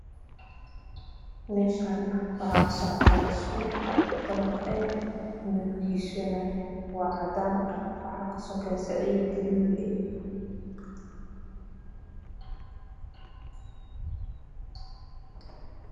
Meeshani waxaa kasocoto dhismo dabaq ah midabkiisu waa cadaan waxaa kasokeyso ciid gududan ah